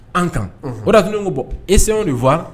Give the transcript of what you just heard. An kan o da tun ko bɔ esɛw defa